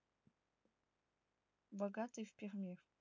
богатый в перми